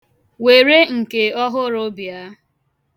Were nke ọhụrụ bịa.